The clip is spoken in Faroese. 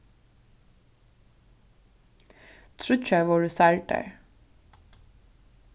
tríggjar vóru særdar